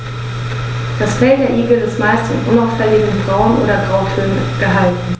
Das Fell der Igel ist meist in unauffälligen Braun- oder Grautönen gehalten.